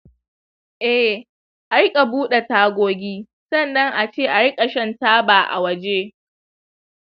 eh, a riƙa buɗe tagogi, sannan a ce a riƙa shan taba a waje.